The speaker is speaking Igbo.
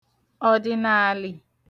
ọ̀dị̀nààlị̀